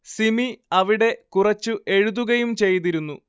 സിമി അവിടെ കുറച്ചു എഴുതുകയും ചെയ്തിരുന്നു